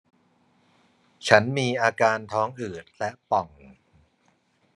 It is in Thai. ฉันมีอาการท้องอืดและป่อง